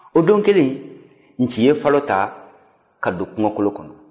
o don kelen nci ye falo ta ka don kungokolon kɔnɔ